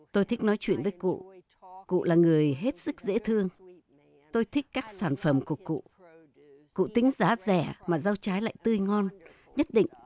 tôi thích nói chuyện với cụ cụ là người hết sức dễ thương tôi thích các sản phẩm của cụ cụ tính giá rẻ mà rau trái lại tươi ngon nhất định